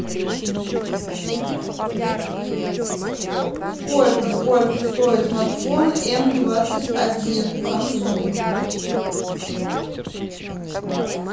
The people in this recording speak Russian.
сколько сколько стоит смартфон м двадцать один samsung